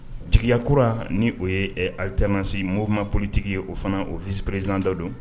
Jigiya kurara ni o ye alitetranasi maawma politigi ye o fana ofisiperedda don